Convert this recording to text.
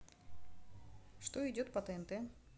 что идет по тнт